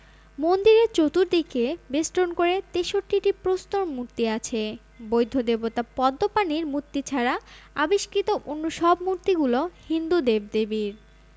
মন্দিরের চতুর্দিকে বেষ্টন করে ৬৩টি প্রস্তর মূর্তি আছে বৌদ্ধ দেবতা পদ্মপাণির মূর্তি ছাড়া আবিষ্কৃত অন্য সব মূর্তিগুলো হিন্দু দেবদেবীর